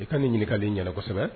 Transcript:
I ka nin ɲininkali in ɲɛna kosɛbɛ